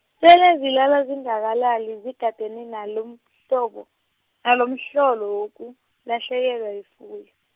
sele zilala zingakalali zigadene nalomhlobo, nalomhlolo wokulahlekelwa yifuyo.